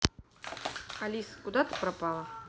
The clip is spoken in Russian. алиса куда ты пропала